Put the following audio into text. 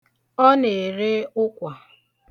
Ọ na-ere ụkwa.